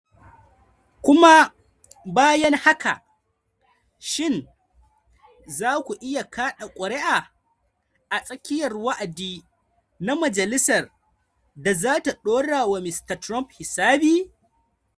Kuma bayan haka, shin za mu kaɗa kuri’a a tsakiyar wa’adi na Majalisar da za ta ɗora wa Mista Trump hisabi?